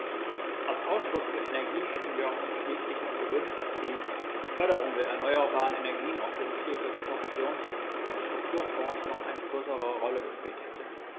Als Ausschuss für Energie hätten wir uns schließlich noch gewünscht, dass die Förderung der erneuerbaren Energien aus den Mitteln des Kohäsions- und Strukturfonds eine noch größere Rolle gespielt hätte.